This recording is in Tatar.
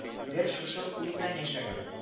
Гел шушы уй белән яшәгән